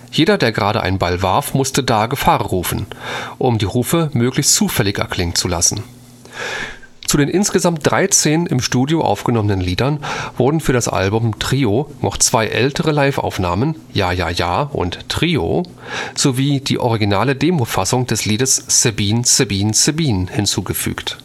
jeder der gerade einen Ball warf, musste „ Da Gefahr! “rufen, um die Rufe möglichst zufällig erklingen zu lassen. Zu den insgesamt dreizehn im Studio aufgenommenen Liedern wurden für das Album Trio noch zwei ältere Live-Aufnahmen (Ja ja ja und TRIO) sowie die originale Demo-Fassung des Liedes Sabine Sabine Sabine hinzugefügt